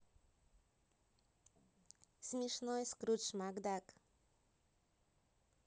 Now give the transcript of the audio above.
смешной скрудж макдак